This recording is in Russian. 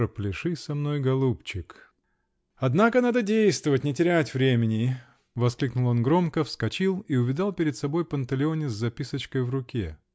пропляши со мной, голубчик!" -- Однако надо действовать, не терять времени, -- воскликнул он громко, вскочил и увидал перед собой Панталеоне с записочкой в руке.